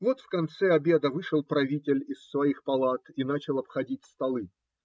Вот в конце обеда вышел правитель из своих палат и начал обходить столы.